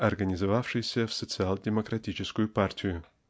организовавшейся в социал-демократическую партию.